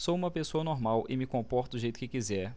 sou homossexual e me comporto do jeito que quiser